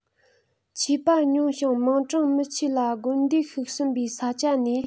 ཆོས པ ཉུང ཞིང མིང གྲགས མི ཆེ ལ དགོན སྡེ བཤིག ཟིན པའི ས ཆ ནས